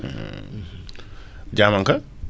Diamanka